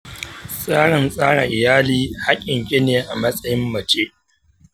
tsarin tsara iyali haƙƙinki ne a matsayin mace.